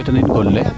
weta ni in gonle